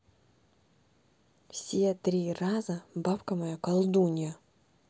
все три раза бабка моя колдунья